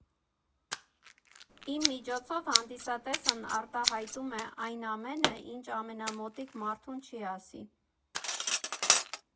Իմ միջոցով հանդիսատեսն արտահայտում է այն ամենը, ինչն ամենամոտիկ մարդուն չի ասի։